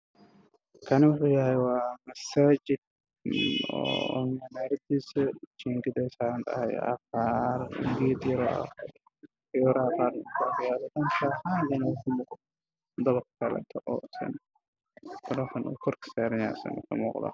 Meeshan waa xaafado waxaa ii muuqda masaajid midabkiisa haye cadaan minaaradiisa aada u dheertahay iyo geetalaal ah